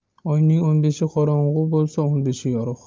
oyning o'n beshi qorong'u bo'lsa o'n beshi yorug'